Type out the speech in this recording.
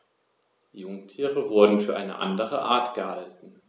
Jungtiere wurden für eine andere Art gehalten.